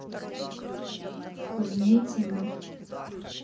поменяй тему